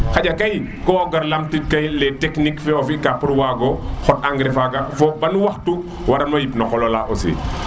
xaƴa kay ko gar lam tiid kay les techniques fe o fi'ka pour o wago xot engrais faga fo ban wax tu wara no yip no qola la aussi